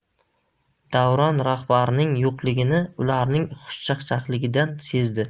davron rahbarning yo'qligini ularning xushchaqchaqligidan sezdi